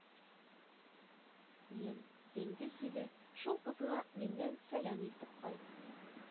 Ем, диңгез җиле, шул кызга миннән сәлам илтеп кайт